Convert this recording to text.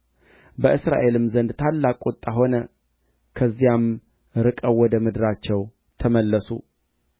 ወደ ኤዶምያስም ንጉሥ ያልፉ ዘንድ ሞከሩ አልቻሉምም በዚያም ጊዜ በእርሱ ፋንታ ንጉሥ የሚሆነውን የበኵር ልጁን ወስዶ ለሚቃጠል መሥዋዕት በቅጥሩ ላይ አቀረበው